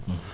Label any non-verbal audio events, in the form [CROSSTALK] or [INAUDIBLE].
[HESITATION] [HESITATION]